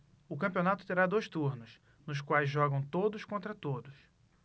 o campeonato terá dois turnos nos quais jogam todos contra todos